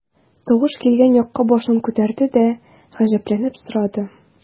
Тавыш килгән якка башын күтәрде дә, гаҗәпләнеп сорады.